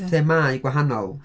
Themâu gwahanol.